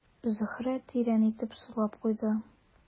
Зөһрә тирән итеп сулап куйды.